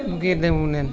génneewul neen